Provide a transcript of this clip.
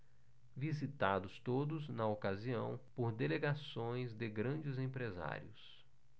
visitados todos na ocasião por delegações de grandes empresários